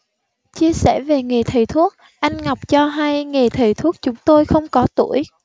chia sẻ về nghề thầy thuốc anh ngọc cho hay nghề thầy thuốc chúng tôi không có tuổi